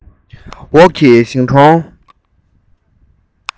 འོག གི ཞིང གྲོང